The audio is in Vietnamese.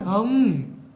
không